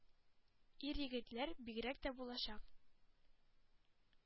Ир-егетләр, бигрәк тә булачак